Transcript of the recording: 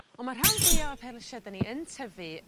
On' ma' rhan fwyaf y perlysie 'dan ni yn tyfu